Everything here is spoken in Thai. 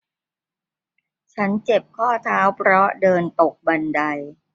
ฉันเจ็บข้อเท้าเพราะเดินตกบันได